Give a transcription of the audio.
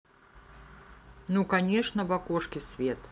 ну конечно в окошке свет